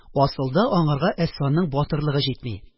Асылда, аңарга Әсфанның батырлыгы җитми